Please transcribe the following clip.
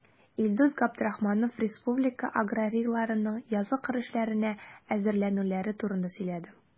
Илдус Габдрахманов республика аграрийларының язгы кыр эшләренә әзерләнүләре турында сөйләде.